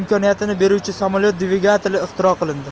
imkoniyatini beruvchi samolyot dvigateli ixtiro qilindi